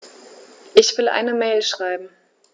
Ich will eine Mail schreiben.